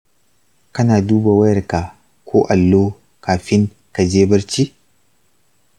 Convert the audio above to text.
kana duba wayarka ko allo kafin ka je barci?